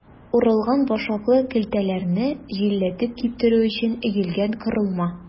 Урылган башаклы көлтәләрне җилләтеп киптерү өчен өелгән корылма.